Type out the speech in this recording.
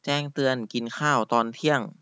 แจ้งเตือนกินข้าวตอนเที่ยง